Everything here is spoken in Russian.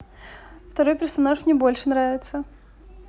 второй персонаж мне больше нравится